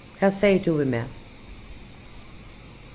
hvat segði tú við meg